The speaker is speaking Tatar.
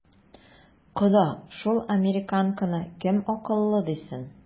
Кода, шул американканы кем акыллы дисен?